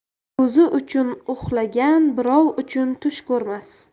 o'zi uchun uxlagan birov uchun tush ko'rmas